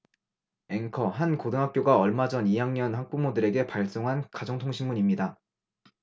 앵커 한 고등학교가 얼마 전 이 학년 학부모들에게 발송한 가정통신문입니다